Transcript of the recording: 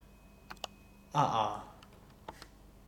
ཨ ཨ